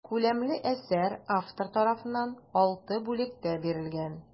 Күләмле әсәр автор тарафыннан алты бүлектә бирелгән.